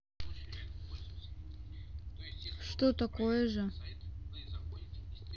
что такое же